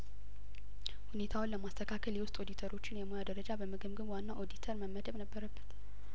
ሁኔታውን ለማስተካከል የውስጥ ኦዲተሮችን የሙያደረጃ በመገምገም ዋናው ኦዲተር መመደብ ነበረበት